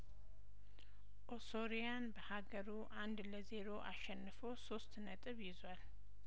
ኦስትሪያን በሀገሩ አንድ ለዜሮ አሸንፎ ሶስት ነጥብ ይዟል